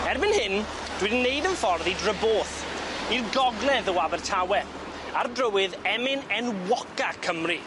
Erbyn hyn dwi 'di neud 'yn ffordd i Dryboth i'r gogledd o Abertawe ar drywydd emyn enwoca Cymru.